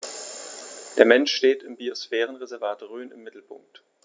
Der Mensch steht im Biosphärenreservat Rhön im Mittelpunkt.